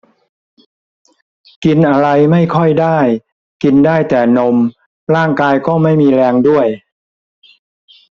กินอะไรไม่ค่อยได้กินได้แต่นมร่างกายก็ไม่มีแรงด้วย